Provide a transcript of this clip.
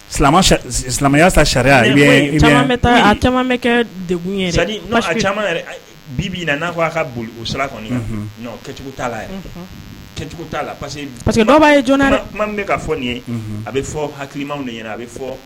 Ya sa sariya bɛ a camanmɛ kɛ de caman bibi na n'a ko aa ka boli o sa kɔnɔ kɛcogo t'a lacogo t'a la parce parce que dɔw' ye jɔn tuma min bɛ ka fɔ nin ye a bɛ fɔ hakilimaw de ye a bɛ fɔ